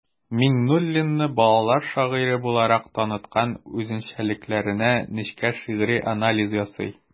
Миңнуллинны балалар шагыйре буларак таныткан үзенчәлекләренә нечкә шигъри анализ ясый.